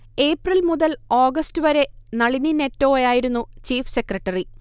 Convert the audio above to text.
ഏപ്രിൽമുതൽ ഓഗസ്റ്റ്വരെ നളിനി നെറ്റോയായിരുന്നു chief secretary